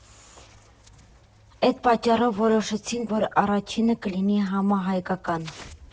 Էդ պատճառով որոշեցինք, որ առաջինը կլինի համահայկական։